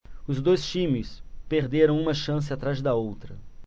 os dois times perderam uma chance atrás da outra